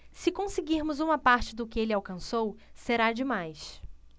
se conseguirmos uma parte do que ele alcançou será demais